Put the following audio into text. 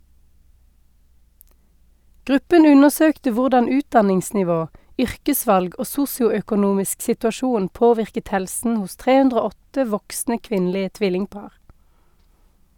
Gruppen undersøkte hvordan utdanningsnivå, yrkesvalg og sosioøkonomisk situasjon påvirket helsen hos 308 voksne kvinnelige tvillingpar.